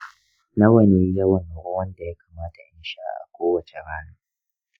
nawa ne yawan ruwan da ya kamata in sha a kowace rana?